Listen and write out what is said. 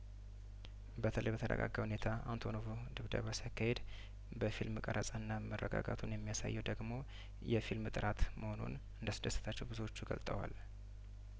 በተለይ በተረጋጋ ሁኔታ አንቶኖቩ ድብደባ ሲያካሂድ በፊልም ቀረጻና መረጋጋቱን የሚያሳየው ደግሞ የፊልም ጥራት መሆኑን እንዳስ ደሰታቸው ብዙዎቹ ገልጠዋል